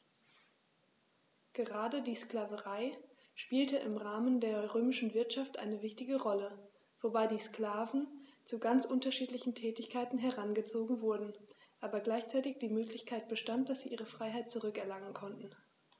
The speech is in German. Gerade die Sklaverei spielte im Rahmen der römischen Wirtschaft eine wichtige Rolle, wobei die Sklaven zu ganz unterschiedlichen Tätigkeiten herangezogen wurden, aber gleichzeitig die Möglichkeit bestand, dass sie ihre Freiheit zurück erlangen konnten.